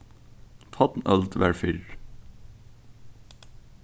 fornøld var fyrr